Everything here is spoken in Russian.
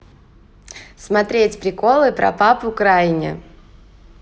смотреть приколы про папу крайне